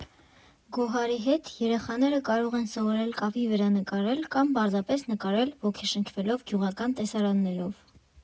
Գոհարի հետ երեխաները կարող են սովորել կավի վրա նկարել կամ պարզապես նկարել՝ ոգեշնչվելով գյուղական տեսարաններով։